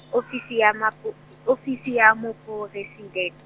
Ofisi ya mma po-, Ofisi ya mo poresiden-.